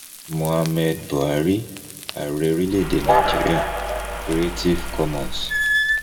Muhammad Buhari, Ààrẹ orílẹ̀-èdè Nàìjíríà. Creative Commons.